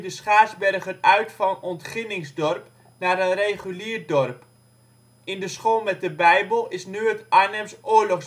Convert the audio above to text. Schaarsbergen uit van ontginningsdorp naar een regulier dorp. In de School met de bijbel